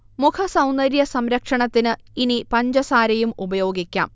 മുഖ സൗന്ദര്യ സംരക്ഷണത്തിന് ഇനി പഞ്ചസാരയും ഉപയോഗിക്കാം